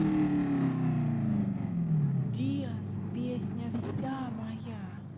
diazz песня вся моя